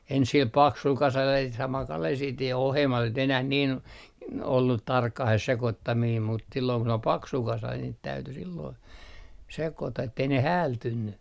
ensin sillä paksulla kasalla ja sitten samalla kalella sitten ja ohuemmaksi ei nyt enää niin ollut tarkkaan se sekoittaminen mutta silloin kun oli paksu kasa niitä täytyi silloin sekoittaa että ei ne häältynyt